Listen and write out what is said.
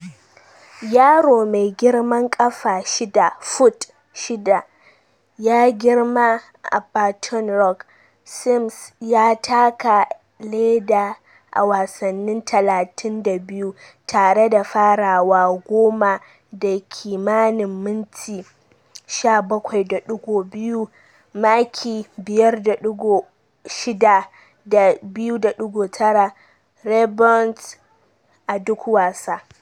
Yaro Mai girman ƙafa 6-foot-6 ya girma a Baton Rouge, Sims ya taka leda a wasanni 32 tare da farawa 10 da kimanin minti 17.4, maki 5.6 da 2.9 rebounds a duk wasa.